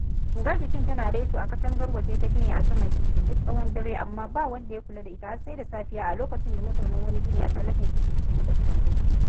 Gangar jikin tana reto a katangar waje ta ginin a saman titin duk tsawon dare, amma ba wanda ya kula da ita har sai da safiya a lokacin da mazaunan wani gini a tsallaken titi suka buɗe tagoginsu.